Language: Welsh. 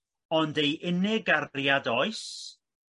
ond ei unig gariad oes